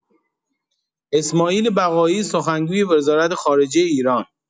اسماعیل بقائی، سخنگوی وزارت‌خارجه ایران